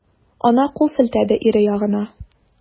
Ана кул селтәде ире ягына.